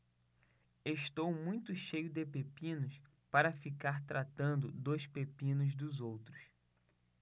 estou muito cheio de pepinos para ficar tratando dos pepinos dos outros